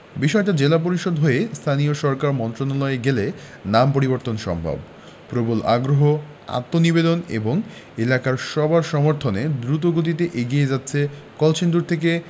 বিষয়টা জেলা পরিষদ হয়ে স্থানীয় সরকার মন্ত্রণালয়ে গেলে নাম পরিবর্তন সম্ভব প্রবল আগ্রহ আত্মনিবেদন এবং এলাকার সবার সমর্থনে দারুণ গতিতে এগিয়ে যাচ্ছে কলসিন্দুর থেকে